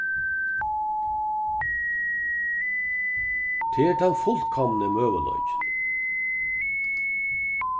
tað er tann fullkomni møguleikin